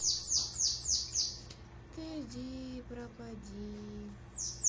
td пропади